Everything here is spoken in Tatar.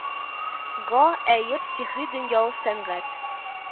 Га әеп сихри дөнья ул сәнгать